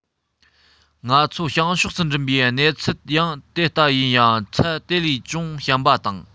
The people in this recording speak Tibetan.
ང ཚོ བྱང ཕྱོགས སུ འགྲིམ པའི གནས ཚུལ ཡང དེ ལྟ ཡིན ཡང ཚད དེ ལས ཅུང ཞན པ དང